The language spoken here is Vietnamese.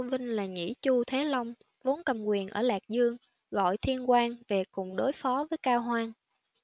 vinh là nhĩ chu thế long vốn cầm quyền ở lạc dương gọi thiên quang về cùng đối phó với cao hoan